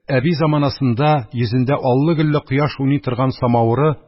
Әби заманасында йөзендә аллы-гөлле кояш уйный торган самавыры